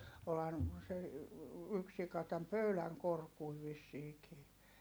olihan se yksi sika tämän pöydän korkuinen vissiinkin